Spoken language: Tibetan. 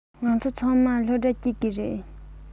ང ཚོ ཚང མ སློབ གྲྭ གཅིག གི རེད